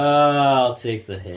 Ah i'll take the hit.